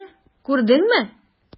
Менә күрдеңме?